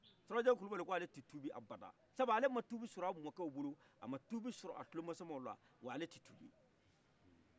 surakajɛkɛ kulibali k'ale ti tubi abada sabu ala ma tubi sɔrɔ a mɔkɛw bolo ama tubi sɔrɔ kulomasamaw la w'ale ti tub